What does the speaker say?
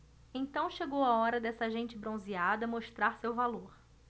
então chegou a hora desta gente bronzeada mostrar seu valor